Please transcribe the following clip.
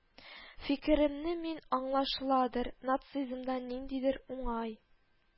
Фикеремне мин, аңлашыладыр, нацизмда ниндидер уңай